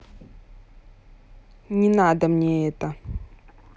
не надо мне это